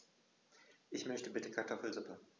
Ich möchte bitte Kartoffelsuppe.